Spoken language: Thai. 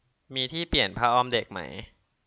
มีที่เปลี่ยนผ้าอ้อมเด็กไหม